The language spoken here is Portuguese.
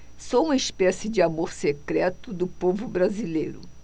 sou uma espécie de amor secreto do povo brasileiro